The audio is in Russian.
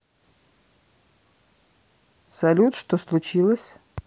салют что случилось